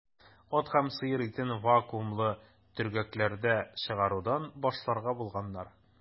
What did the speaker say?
Ат һәм сыер итен вакуумлы төргәкләрдә чыгарудан башларга булганнар.